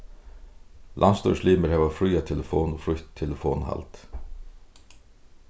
landsstýrislimir hava fría telefon og frítt telefonhald